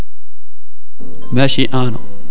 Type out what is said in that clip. ماشي انا